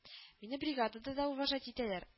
Мине бригадада уважать итәләр